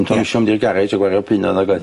To' misio mynd i'r garej a gwario punnoedd nag oedd?